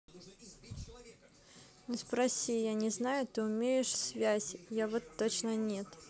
ну спроси я не знаю ты умеешь связь я вот точно нет